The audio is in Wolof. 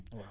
waaw